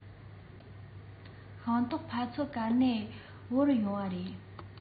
ཤིང ཏོག ཕ ཚོ ག ནས དབོར ཡོང བ རེད